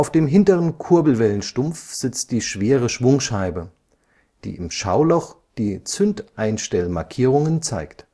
dem hinteren Kurbelwellenstumpf sitzt die schwere Schwungscheibe, die im Schauloch die Zündeinstellmarkierungen zeigt